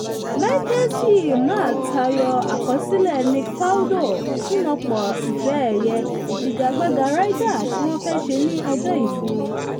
Mickelson máa tayọ àkọsílẹ̀ Nick Faldo fúnọ̀pọ̀ Ife ẹ̀yẹ ìfigagbaga Ryder tí wọ́n fẹ́ ṣe ní Ọjọ́ ìsinmi.